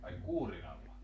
ai kuurinalla